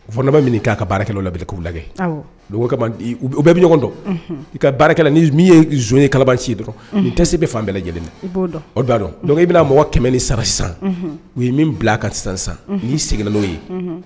Fɔ ne bɛ min k'a ka baarakɛlaw la k'u lajɛ do bɛɛ bɛ ɲɔgɔn dɔn i ka baara ni min ye z ye kalaci dɔrɔn n tɛ se bɛ fan bɛɛ lajɛlen o b'a dɔn dɔnkili b bɛna'a mɔgɔ kɛmɛ ni sara sisan u ye min bila a ka sisan san n'i segin n'o ye